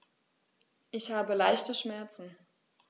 Ich habe leichte Schmerzen.